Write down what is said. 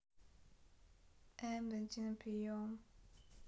э блядина прием